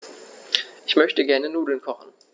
Ich möchte gerne Nudeln kochen.